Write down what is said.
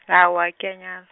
aowa ga ke a nyala.